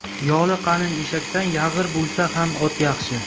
yoli qalin eshakdan yag'ir bo'lsa ham ot yaxshi